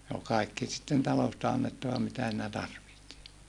ne oli kaikki sitten talosta annettava mitä siinä tarvitsi